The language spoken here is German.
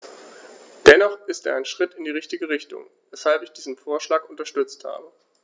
Dennoch ist er ein Schritt in die richtige Richtung, weshalb ich diesen Vorschlag unterstützt habe.